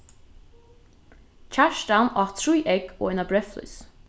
kjartan át trý egg og eina breyðflís